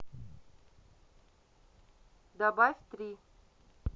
добавь три